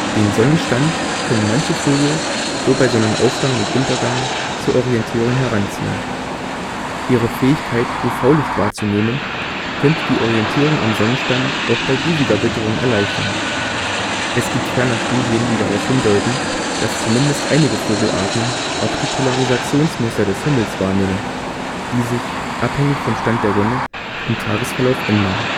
Den Sonnenstand können manche Vögel, so bei Sonnenaufgang und - untergang, zur Orientierung heranziehen. Dank ihrer Fähigkeit, UV-Licht wahrzunehmen, könnte die Orientierung am Sonnenstand auch bei diesiger Witterung erleichtern. Es gibt ferner Studien, die darauf hindeuten, dass zumindest einige Vogelarten auch die Polarisationsmuster des Himmels wahrnehmen, die sich – abhängig vom Stand der Sonne – im Tagesverlauf ändern